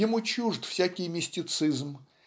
ему чужд всякий мистицизм